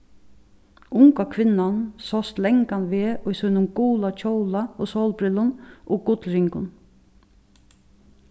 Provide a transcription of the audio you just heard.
unga kvinnan sást langan veg í sínum gula kjóla og sólbrillum og gullringum